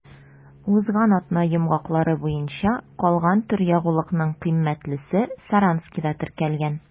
Узган атна йомгаклары буенча калган төр ягулыкның кыйммәтлесе Саранскида теркәлгән.